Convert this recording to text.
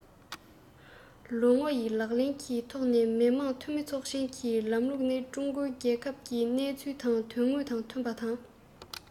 ལོ ངོ ཡི ལག ལེན གྱི ཐོག ནས མི དམངས འཐུས མི ཚོགས ཆེན གྱི ལམ ལུགས ནི ཀྲུང གོའི རྒྱལ ཁབ ཀྱི གནས ཚུལ དང དོན དངོས དང མཐུན པ དང